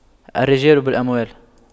الرجال بالأموال